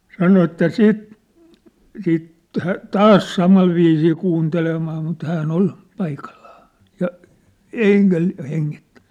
sanoi että sitten sitten - taas samalla viisiin kuuntelemaan mutta hän oli paikallaan ja eikä hengittänyt